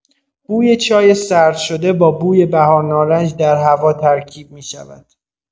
بوی چای سرد شده با بوی بهارنارنج در هوا ترکیب می‌شود.